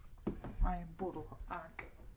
Mae'n bwrw ac...